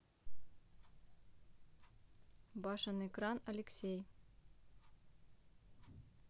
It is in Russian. башенный кран алексей